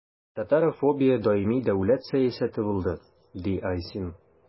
Татарофобия даими дәүләт сәясәте булды, – ди Айсин.